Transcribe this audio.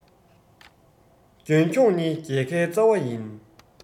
རྒྱུན འཁྱོངས ནི རྒྱལ ཁའི རྩ བ ཡིན